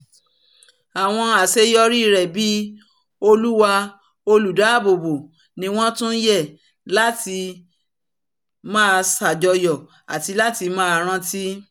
Àwọn àṣeyọrí rẹ̀ bí Oluwa Olùdáààbò ni wọ́n tún yẹ láti máa sàjọyọ̀ àti láti maá rántí.''